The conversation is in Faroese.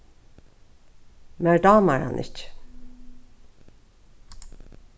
mær dámar hann ikki